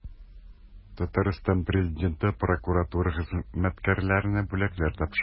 Татарстан Президенты прокуратура хезмәткәрләренә бүләкләр тапшырды.